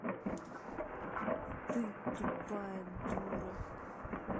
ты тупая дура